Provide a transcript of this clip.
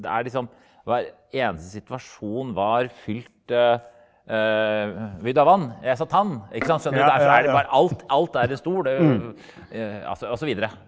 det er liksom hver eneste situasjon var fylt vil du ha vann jeg sa tann ikke sant skjønner du alt alt er en stol og så videre.